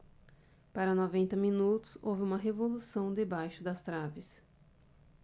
para noventa minutos houve uma revolução debaixo das traves